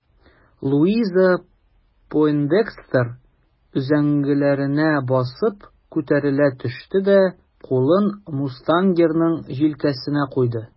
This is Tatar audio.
Луиза Пойндекстер өзәңгеләренә басып күтәрелә төште дә кулын мустангерның җилкәсенә куйды.